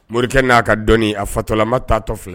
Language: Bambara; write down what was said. Morikɛ n'a ka dɔn a fatɔlama taa' tɔ filɛ